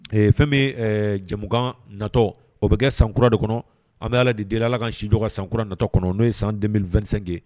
Fɛn bɛ jamukan natɔ o bɛ kɛ sankura de kɔnɔ an bɛ ala de deli ala ka sinjɔ ka sankura natɔ kɔnɔ n'o ye san2ke